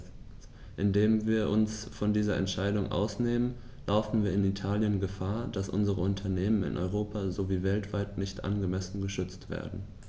Indem wir uns von dieser Entscheidung ausnehmen, laufen wir in Italien Gefahr, dass unsere Unternehmen in Europa sowie weltweit nicht angemessen geschützt werden.